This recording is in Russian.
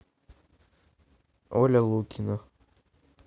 оля лукина